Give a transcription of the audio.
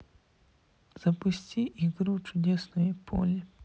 запусти игру чудесное поле